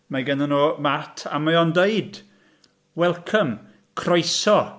Mae gennyn nhw mat, a mae o'n dweud "Welcome, Croeso."